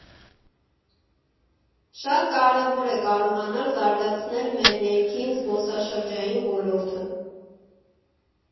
Շատ կարևոր է կարողանալ զարգացնել մեր ներքին զբոսաշրջային ոլորտը։